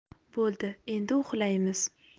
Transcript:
bo'ldi endi uxlaymiz